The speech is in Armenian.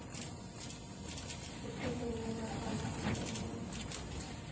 Այդպես են իրեն անվանում ընկերները։